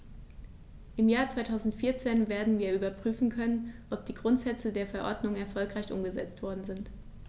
Im Jahr 2014 werden wir überprüfen können, ob die Grundsätze der Verordnung erfolgreich umgesetzt worden sind.